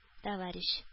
Товарищ